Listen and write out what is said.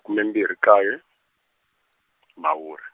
khume mbirhi nkaye , Mhawuri.